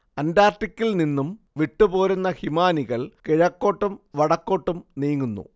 അന്റാർട്ടിക്കിൽ നിന്നും വിട്ടുപോരുന്ന ഹിമാനികൾ കിഴക്കോട്ടും വടക്കോട്ടും നീങ്ങുന്നു